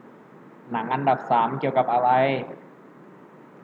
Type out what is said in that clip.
หนังอันดับสามเกี่ยวกับอะไร